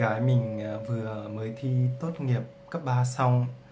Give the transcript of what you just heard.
em gái mình vừa mới thi tốt nghiệp cấp xong